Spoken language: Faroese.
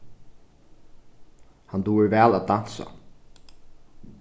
hann dugir væl at dansa